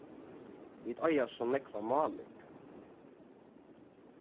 vit eiga so nógva máling